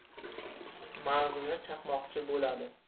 mag'zini chaqmoqchi bo'ladi